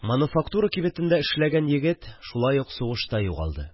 Мануфактура кибетендә эшләгән егет шулай ук сугышта югалды